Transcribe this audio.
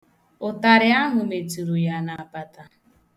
Ụtarị ahụ meturu ya n'apata.